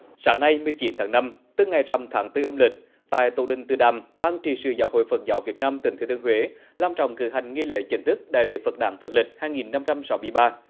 sáng nay mười chín tháng năm tức ngày rằm tháng tư âm lịch tại tổ đình từ đàm ban trị sự giáo hội phật giáo việt nam tỉnh thừa thiên huế long trọng cử hành nghi lễ chính thức đại lễ phật đản phật lịch hai nghìn năm trăm sáu mươi ba